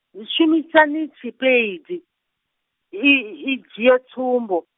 shumisani tshipeidi, i i dzhiye tsumbo.